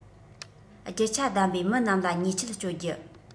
རྒྱུ ཆ གདམ པའི མི རྣམས ལ ཉེས ཆད གཅོད རྒྱུ